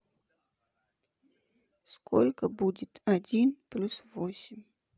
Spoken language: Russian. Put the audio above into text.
сколько будет один плюс восемь